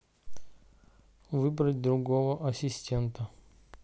выбрать другого ассистента